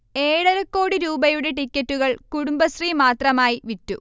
ഏഴരക്കോടി രൂപയുടെ ടിക്കറ്റുകൾ കുടുംബശ്രീ മാത്രമായി വിറ്റു